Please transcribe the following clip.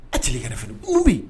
A tile kɛrɛfɛ fana kunbi yen